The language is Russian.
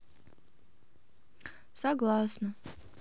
согласна